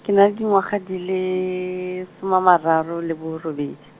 ke na le dingwaga di le, suma mararo le borobedi.